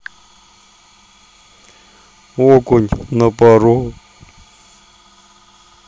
окунь на пару